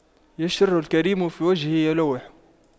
بِشْرُ الكريم في وجهه يلوح